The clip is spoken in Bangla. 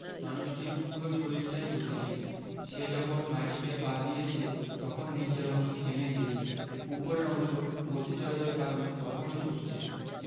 মানুষটির পুরো শরীরটাই গতিশীল সে যখন মাটিতে পা দিয়েছে তখন নিচের অংশ থেমে গিয়েছে ওপরের অংশ গতি জড়তার কারণে তখনো ছুটছে